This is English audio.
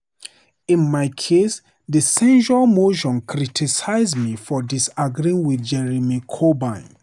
In my case, the censure motion criticized me for disagreeing with Jeremy Corbyn.